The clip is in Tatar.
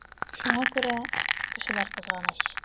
Шуңа күрә кешеләр кызганыч.